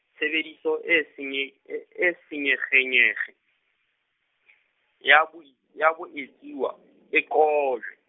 Tshebediso, e senye-, e e senyekgenyekge, ya boei-, ya boetsuwa, e qojwe.